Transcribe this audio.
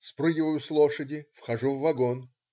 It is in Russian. " Спрыгиваю с лошади - вхожу в вагон.